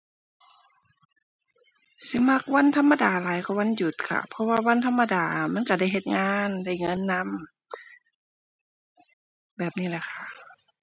สิมักวันธรรมดาหลายกว่าวันหยุดค่ะ เพราะว่าวันธรรมดามันก็ได้เฮ็ดงาน ได้เงินนำ แบบนี้ล่ะค่ะ